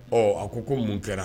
Ɔ a ko ko mun kɛra